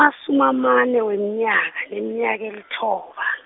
masumi amane weminyaka neminyaka elithoba.